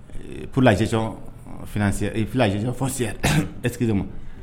pour la gestion financière, pour la gestion foncière Excuse moi